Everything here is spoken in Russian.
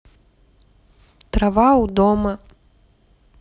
трава у дома